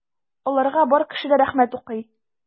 Аларга бар кеше дә рәхмәт укый.